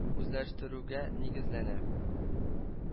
Үзләштерүгә нигезләнә